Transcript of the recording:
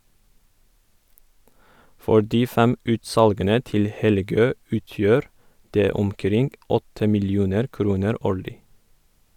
For de fem utsalgene til Helgø utgjør det omkring 8 millioner kroner årlig.